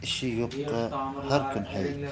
ishi yo'qqa har kun hayit